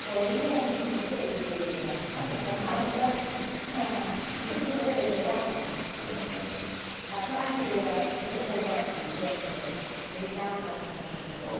với vấn đề về sự khác biệt văn hóa đông tây ví dụ như vấn đề về thời gian chẳng hạn à theo anh thì cái đồng hồ nào chỉ giờ của người việt nam và đồng hồ nào chỉ giờ